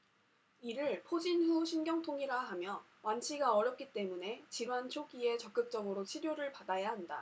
이를 포진 후 신경통이라 하며 완치가 어렵기 때문에 질환 초기에 적극적으로 치료를 받아야 한다